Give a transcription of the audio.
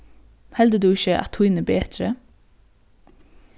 heldur tú ikki at tín er betri